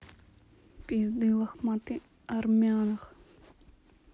пизды лохматые армянах